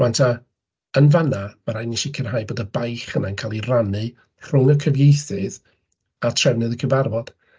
Rŵan ta, yn fanna ma' raid i ni sicrhau bod y baich yna'n cael ei rannu rhwng y cyfeithydd a trefnydd y cyfarfod.